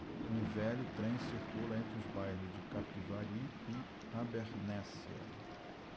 um velho trem circula entre os bairros de capivari e abernéssia